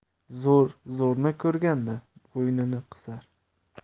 zo'r zo'rni ko'rganda bo'ynini qisar